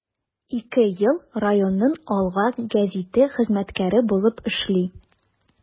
Ике ел районның “Алга” гәзите хезмәткәре булып эшли.